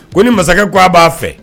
Ko ni masakɛ ko a b'a fɛ